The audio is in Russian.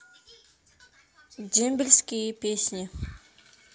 дембельские песни